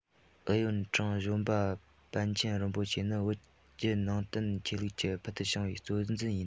ཨུ ཡོན ཀྲང གཞོན པ པཎ ཆེན རིན པོ ཆེ ནི བོད བརྒྱུད ནང བསྟན ཆོས ལུགས ཀྱི ཕུལ དུ བྱུང བའི གཙོ འཛིན ཡིན